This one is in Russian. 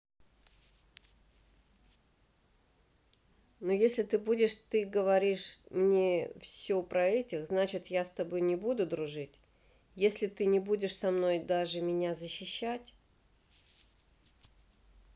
ну если ты будешь ты говоришь мне все про этих значит я с тобой не буду дружить если ты не будешь со мной даже меня защищать